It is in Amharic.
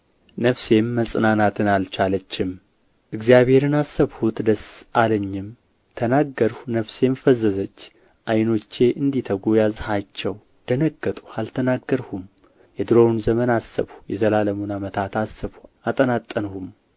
ነፍሴም መጽናናትን አልቻለችም እግዚአብሔርን አሰብሁት ደስ አለኝም ተናገርሁ ነፍሴም ፈዘዘች ዓይኖቼ እንዲተጉ ያዝሃቸው ደነገጥሁ አልተናገርሁም የዱሮውን ዘመን አሰብሁ የዘላለሙን ዓመታት አሰብሁ አጠናጠንሁም